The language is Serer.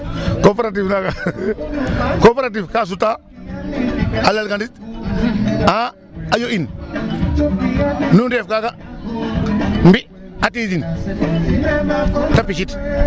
cooperative naga cooperative ka suta a lal ga nit a a yo in nu ndeef kaga mbi ati din te picit